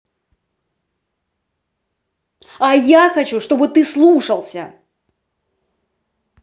а я хочу чтобы ты слушался